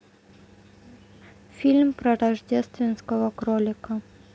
фильм про рождественского кролика